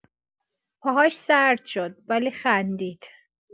پاهاش سرد شد، ولی خندید.